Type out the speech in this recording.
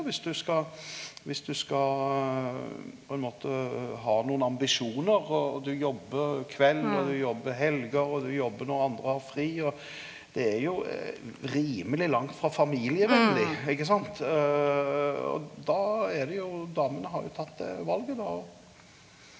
og viss du skal viss du skal på ein måte ha nokon ambisjonar og du jobbar kveld og du jobbar helger og du jobbar når andre har fri, og det er jo rimeleg langt frå familievennleg ikkje sant og då er det jo damene har jo tatt det valet då.